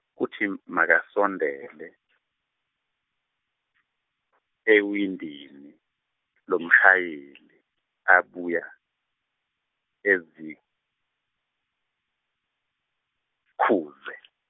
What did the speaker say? kuthi makasondele, ewindini, lomshayeli abuye, ezikhuze .